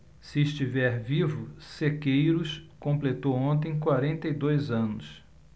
se estiver vivo sequeiros completou ontem quarenta e dois anos